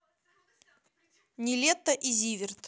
нилетто и зиверт